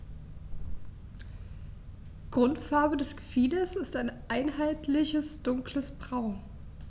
Grundfarbe des Gefieders ist ein einheitliches dunkles Braun.